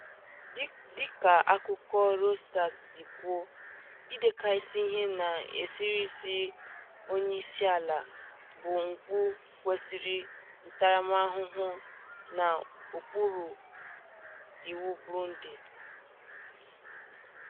Dịka akụkọ Reuters si kwuo, idekasị ihe [n'eserese onyeisiala] bụ mpụ kwesịrị ntaramahụhụ n'okpuru iwu Burundi.